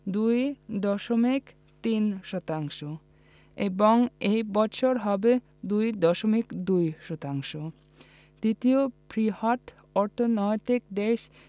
২.৩ শতাংশ এবং এ বছর হবে ২.২ শতাংশ দ্বিতীয় বৃহৎ অর্থনৈতিক দেশ